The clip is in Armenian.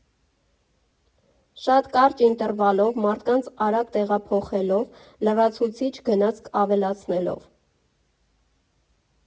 Շատ կարճ ինտերվալով, մարդկանց արագ տեղափոխելով, լրացուցիչ գնացք ավելացնելով…